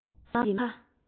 སེམས ཀྱི རྨ ཁ